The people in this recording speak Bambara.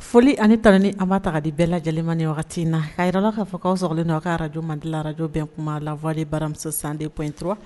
Foli ani ta ni anba ta di bɛɛ lajɛlenmani wagati in na a jirarala k'a fɔ aw sɔrɔlen na aw ka arajo malidi ararajobɛn kuma lawale baramuso san dep dɔrɔn